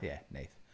Ie wneith.